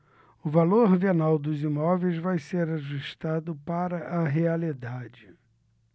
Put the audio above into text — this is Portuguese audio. o valor venal dos imóveis vai ser ajustado para a realidade